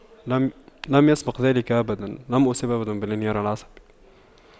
لم لم يسبق ذلك أبدا لم أصب أبدا بالانهيار العصبي